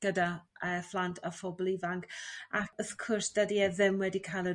gyda ee phlant a phobl ifanc ac wrth cwrs dydi e ddim wedi cael yr